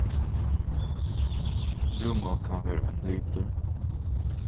eitt rúmmál kann vera ein litur